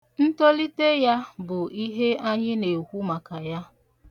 Ntolite ya bụ ihe anyị na-ekwu maka ya.